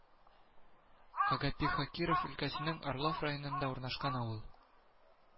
Агапиха Киров өлкәсенең Орлов районында урнашкан авыл